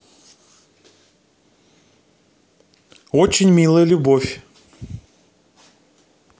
очень милая любовь